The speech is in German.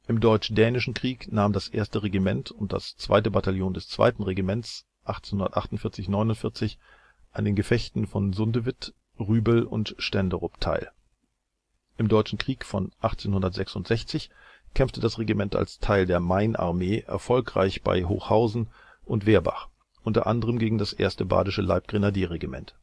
Deutsch-Dänischen Krieg nahmen das 1. Regiment und das II. Bataillon des 2. Regimentes 1848 - 49 an den Gefechten von Sundewitt, Rübel und Stenderup teil. Im Deutschen Krieg von 1866 kämpft das Regiment als Teil der Mainarmee erfolgreich bei Hochhausen und Werbach u. A. gegen das 1. Badische Leib Grenadier Regiment